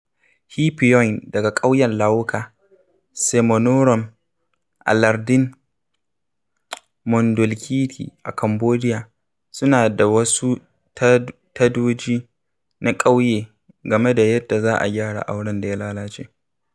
Hea Phoeun daga ƙauyen Laoka, Semonorom, a lardin Mondulkiri a Cambodiya suna da wasu tadoji na ƙauye game da yadda za a gyara auren da ya lalace.